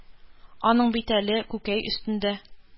Аның бит әле күкәй өстендә